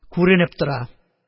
Күренеп тора